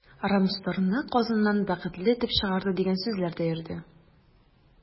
“рамстор”ны казаннан “бәхетле” этеп чыгарды, дигән сүзләр дә йөрде.